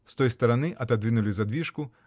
С той стороны отодвинули задвижку